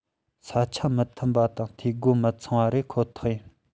ས ཆ མི མཐུན པ དང འཐུས སྒོ མི ཚང བ རེད ཁོ ཐག ཡིན